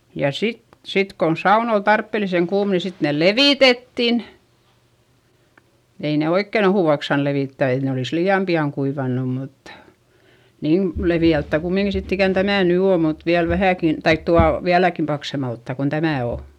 ja sitten sitten kun sauna oli tarpeellisen kuuma niin sitten ne levitettiin ei ne oikein ohueksi saanut levittää että ne olisi liian pian kuivanut mutta niin leveältään kumminkin sitten ikään tämä nyt on mutta vielä vähänkin tai tuolla vieläkin paksummalta kuin tämä on